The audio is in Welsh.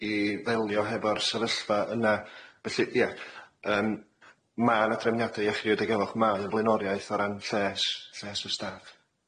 i ddelio hefo'r sefyllfa yna felly ie yym ma'na y- drefniade iechyd a diogelwch mae yn blaenoriaeth o ran lles- lles y staff.